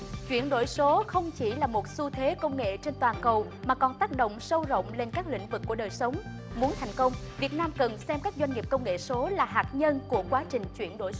chuyển đổi số không chỉ là một xu thế công nghệ trên toàn cầu mà còn tác động sâu rộng lên các lĩnh vực của đời sống muốn thành công việt nam cần xem các doanh nghiệp công nghệ số là hạt nhân của quá trình chuyển đổi số